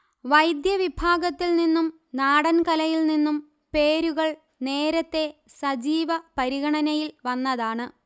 വൈദ്യ വിഭാഗത്തിൽ നിന്നും നാടൻകലയിൽ നിന്നും പേരുകൾ നേരത്തെ സജീവ പരിഗണനയിൽ വന്നതാണ്